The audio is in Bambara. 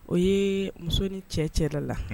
O ye muso ni cɛ cɛla